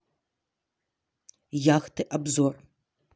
яхты обзор